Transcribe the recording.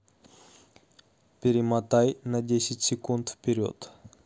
перемотай на десять секунд вперед